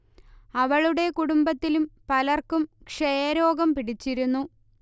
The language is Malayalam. അവളുടെ കുടുംബത്തിലും പലർക്കും ക്ഷയരോഗം പിടിച്ചിരുന്നു